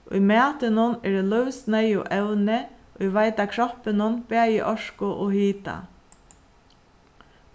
í matinum eru lívsneyðug evni ið veita kroppinum bæði orku og hita